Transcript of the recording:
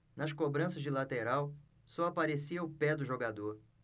nas cobranças de lateral só aparecia o pé do jogador